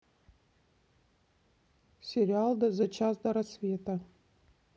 сериал за час до рассвета